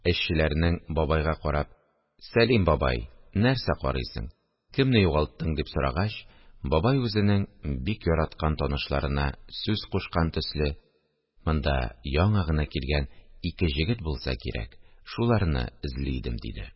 Эшчеләрнең, бабайга карап: – Сәлим бабай, нәрсә карыйсың, кемне югалттың? – дип сорагач, бабай, үзенең бик яраткан танышларына сүз кушкан төсле: – Монда яңа гына килгән ике җегет булса кирәк, шуларны эзли идем, – диде